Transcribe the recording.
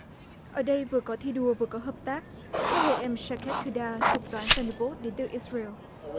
ở đây vừa có thi đua với các hợp tác theo lời em sa két cư đa thuộc toán sa ni bốt đến từ ít riu